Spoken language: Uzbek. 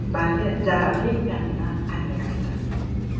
balki zararli ekanini anglagan edi